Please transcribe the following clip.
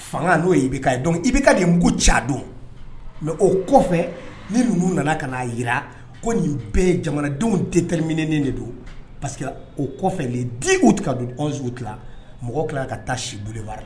Fanga n'o ye IBK, donc IBK de ye mugu ci a don mais o kɔfɛ ni ninnu nana kana jira, ko nin bɛɛ ye jamanadenw déterminer de don parce que o kɔfɛ le 10 août ka don le 11 août la mɔgɔ tila ka taa si boulevard la.